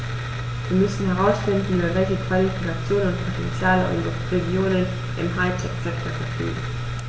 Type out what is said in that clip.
Wir müssen herausfinden, über welche Qualifikationen und Potentiale unsere Regionen im High-Tech-Sektor verfügen.